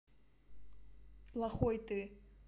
плохой ты